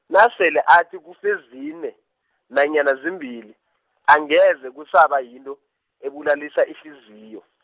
nasele athi kufe zine, nanyana zimbili, angeze kusaba yinto, ebulalisa ihliziyo.